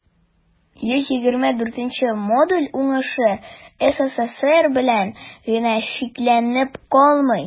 124 нче модель уңышы ссср белән генә чикләнеп калмый.